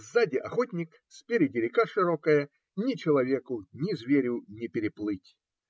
сзади охотник, спереди река широкая, ни человеку, ни зверю не переплыть.